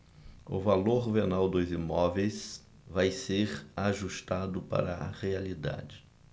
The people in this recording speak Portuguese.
o valor venal dos imóveis vai ser ajustado para a realidade